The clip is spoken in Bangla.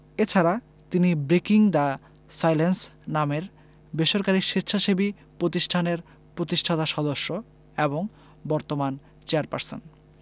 এ ছাড়া তিনি ব্রেকিং দ্য সাইলেন্স নামের বেসরকারি স্বেচ্ছাসেবী প্রতিষ্ঠানের প্রতিষ্ঠাতা সদস্য এবং বর্তমান চেয়ারপারসন